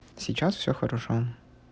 сейчас все хорошо